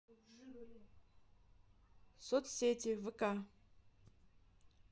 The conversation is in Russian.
соцсети вк